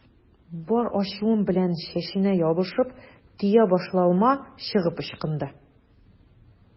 Бар ачуым белән чәченә ябышып, төя башлавыма чыгып ычкынды.